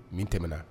Min tɛmɛna